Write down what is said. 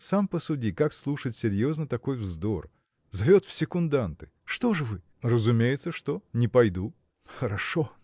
– Сам посуди, как слушать серьезно такой вздор: зовет в секунданты! – Что же вы? – Разумеется, что: не пойду. – Хорошо